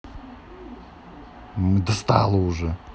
мы достала уже